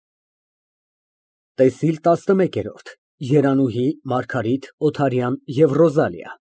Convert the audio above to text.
ՏԵՍԻԼ ՏԱՍՆՄԵԿԵՐՈՐԴ ԵՐԱՆՈՒՀԻ, ՄԱՐԳԱՐԻՏ, ՕԹԱՐՅԱՆ ԵՎ ՌՈԶԱԼԻԱ։